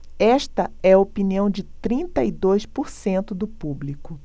esta é a opinião de trinta e dois por cento do público